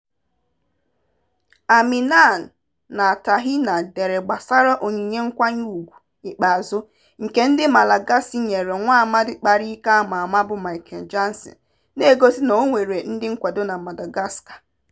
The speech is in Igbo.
Arminian na Tahina dere gbasara onyinye nkwanye ùgwù ikpeazụ nke ndị Malagasy nyere nwaamadị kpara ike ama ama bụ Michael Jackson, na-egosi na o nwere ndị nkwado na Madagascar.